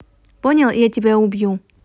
понял я тебя убью